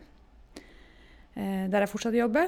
Der jeg fortsatt jobber.